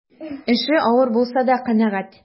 Эше авыр булса да канәгать.